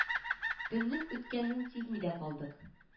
Төннең үткәнен сизми дә калдык